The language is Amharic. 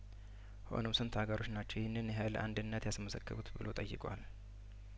ሆኖም ስንት ሀገሮች ናቸው ይህን ያህል እድገት ያስመዘገቡት ብሎ ጠይቋል